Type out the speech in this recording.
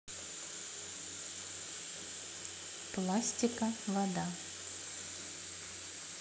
пластика вода